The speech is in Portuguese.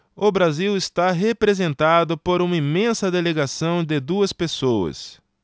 o brasil está representado por uma imensa delegação de duas pessoas